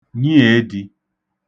nyièedī